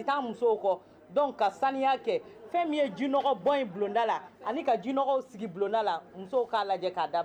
Kɔ ka sanuya kɛ fɛn min ye jinɛɔgɔ bɔ bulonlonda la ani ka jinɛ sigi bulonda la musow k kaa lajɛ k' da